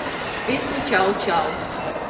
песня чао чао